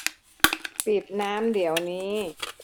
ปิดน้ำเดี๋ยวนี้